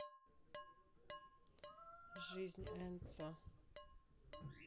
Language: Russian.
жизнь энцо